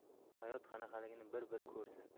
hayot qanaqaligini bi ir ko'rsin